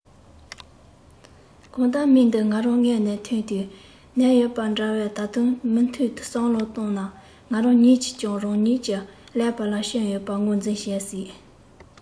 གང ལྟར མིང འདི ང རང མངལ ནས ཐོན དུས ནས ཡོད པ འདྲ བས ད དུང མུ མཐུད དུ བསམ བློ བཏང ན ང རང ཉིད ཀྱིས ཀྱང རང ཉིད ཀྱི ཀླད པ ལ སྐྱོན ཡོད པ ངོས འཛིན བྱ སྲིད